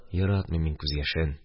Яратмыйм мин күз яшен